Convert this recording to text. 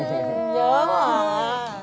nhớ quá à